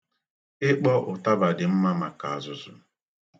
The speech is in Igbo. Ikpọ ụtaba dị mma maka azụzụ.